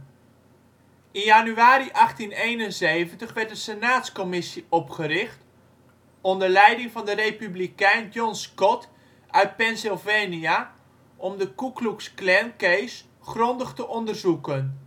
januari 1871 werd een Senaatscommissie opgericht onder leiding van de republikein John Scott uit Pennsylvania om de Ku Klux Klan Case grondig te onderzoeken